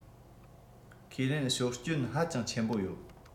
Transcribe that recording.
ཁས ལེན ཞོར སྐྱོན ཧ ཅང ཆེན པོ ཡོད